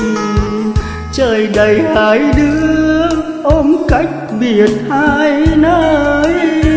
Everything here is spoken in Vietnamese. trời đày hai đứa ôm cách biệt hai nơi